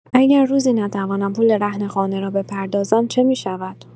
اگر روزی نتوانم پول رهن خانه را بپردازم، چه می‌شود؟